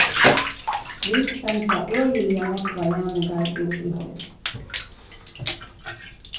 vit senda øgiliga nógvar næmingar út í heim